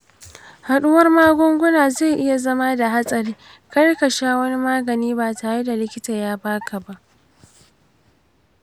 haɗuwar magunguna zai iya zama da hatsari, kar ka sha wani magani ba tare da likita ya baka ba.